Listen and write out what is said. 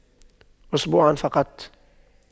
أسبوع فقط